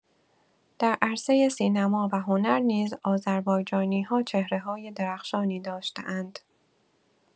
در عرصه سینما و هنر نیز آذربایجانی‌ها چهره‌های درخشانی داشته‌اند.